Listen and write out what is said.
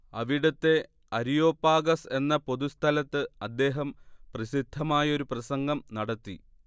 അവിടത്തെ അരിയോപാഗസ് എന്ന പൊതുസ്ഥലത്ത് അദ്ദേഹം പ്രസിദ്ധമായൊരു പ്രസംഗം നടത്തി